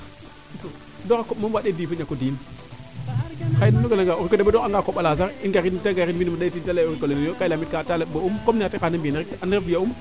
affaire a koɓ moom waande o diyin fo o ñako diyin xaye o riko deɓ a dox anga koɓalaa sax i ngarid te gariid im ndetid te leyee o riko lene yoo kaa i lamit kaa ba'um comme ne xa tiqa xaana mbiyeena rek an ref ya'um